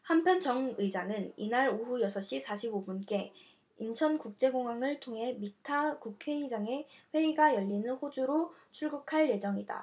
한편 정 의장은 이날 오후 여섯 시 사십 오 분께 인천국제공항을 통해 믹타 국회의장 회의가 열리는 호주로 출국할 예정이다